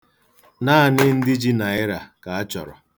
Naanị ndị ji Naịra ka a chọrọ.